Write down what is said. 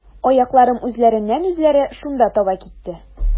Аякларым үзләреннән-үзләре шунда таба китте.